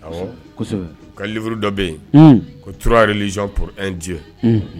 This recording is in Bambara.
Awɔ, kosɛbɛ, u ka livre dɔ bɛ yen, unhun, ko 3 religions pour un Dieu , un